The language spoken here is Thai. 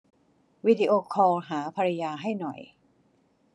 วิดีโอคอลหาภรรยาให้หน่อย